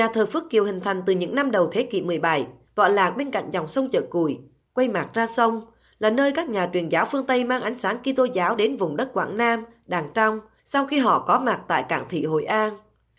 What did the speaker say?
nhà thờ phước kiều hình thành từ những năm đầu thế kỷ mười bảy tọa lạc bên cạnh dòng sông chợ củi quay mặt ra sông là nơi các nhà truyền giáo phương tây mang ánh sáng ki tô giáo đến vùng đất quảng nam đàng trong sau khi họ có mặt tại cảng thị hội an